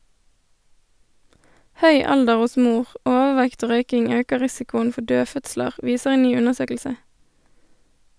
Høy alder hos mor, overvekt og røyking øker risikoen for dødfødsler, viser en ny undersøkelse.